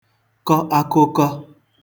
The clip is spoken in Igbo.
kọ akụkọ